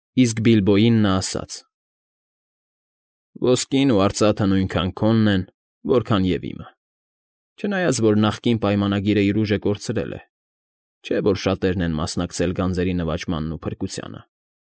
Իսկ Բիլբոյին նա ասաց. ֊ Ոսկին ու արծաթը նույնքան քոնն են, որքան և իմը, չնայած որ նախկին պայմանագիրն իր ուժը կորցրել է, չէ՞ որ շատերն են մասնակցել գանձերի նվաճմանն ու փրկությանը։